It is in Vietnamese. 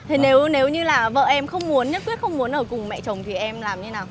thế nếu nếu như là vợ em không muốn nhất quyết không muốn ở cùng mẹ chồng thì em làm như nào